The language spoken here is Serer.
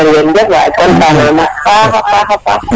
jeregen jef waay content nam a paxa pax